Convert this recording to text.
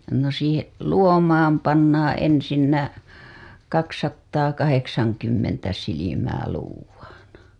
no siihen luomaan pannaan ensinnä kaksisataakahdeksankymmentä silmää luodaan